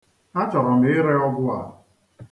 A chọrọ m ịre ọgwụ a.